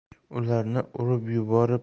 ularni urib yuborib yo'l